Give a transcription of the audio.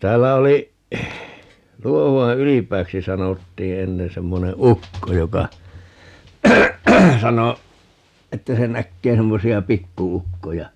täällä oli Luohuan Ylipääksi sanottiin ennen semmoinen ukko joka sanoi että se näkee semmoisia pikku-ukkoja